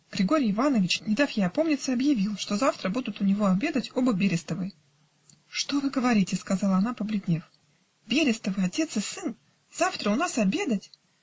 Григорий Иванович, не дав ей опомниться, объявил, что завтра будут у него обедать оба Берестовы. "Что вы говорите! -- сказала она, побледнев. -- Берестовы, отец и сын! Завтра у нас обедать!